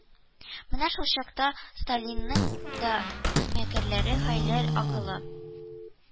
Менә шул чакта сталинның да мәкерләре хәйлә акылы